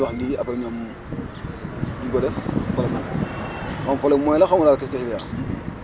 waaw da nga leen di wax lii après ñoom du ñu ko def problème mu xaw ma problème mu moyen la xaw ma daal qu' est ce qu' il y a